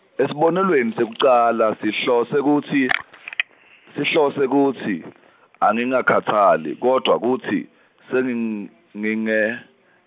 Esibonelweni sekucala sihlose kutsi , sihlose kutsi, angikakhatsali, kodvwa kutsi, senginge- nginge.